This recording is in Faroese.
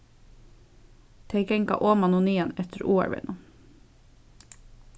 tey ganga oman og niðan eftir áarvegnum